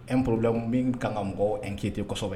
Epla bɛ kan ka mɔgɔ n kete kosɛbɛ